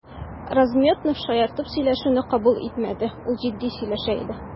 Размётнов шаяртып сөйләшүне кабул итмәде, ул җитди сөйләшә иде.